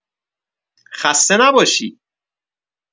خسته نباشی!